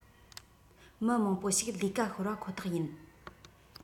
མི མང པོ ཞིག ལས ཀ ཤོར བ ཁོ ཐག ཡིན